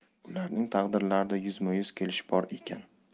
ularning taqdirlarida yuzma yuz kelish bor ekan